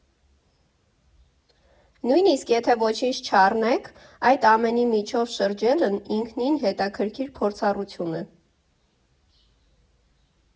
Նույնիսկ եթե ոչինչ չառնեք, այդ ամենի միջով շրջելն ինքնին հետաքրքիր փորձառություն է։